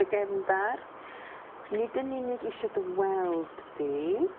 ...dy gefndar nid yn unig isio dy weld di